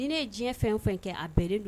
Ni ne ye diɲɛ fɛn o fɛn kɛ a bɛɛlen don